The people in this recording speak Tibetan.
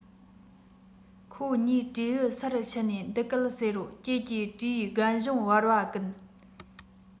ཁོས གཉིས ཀྱི སྤྲེའུའི སར ཕྱིན ནས འདི སྐད ཟེར རོ ཀྱེ ཀྱེ སྤྲེའུ རྒན གཞོན བར བ ཀུན